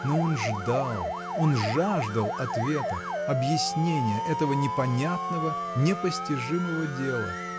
но он ждал, он жаждал ответа, объяснения этого непонятного, непостижимого дела.